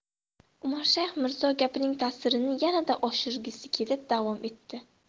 umarshayx mirzo gapining tasirini yanada oshirgisi kelib davom etdi